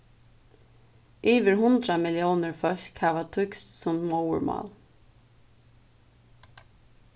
yvir hundrað milliónir fólk hava týskt sum móðurmál